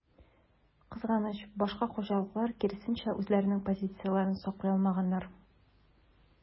Кызганыч, башка хуҗалыклар, киресенчә, үзләренең позицияләрен саклый алмаганнар.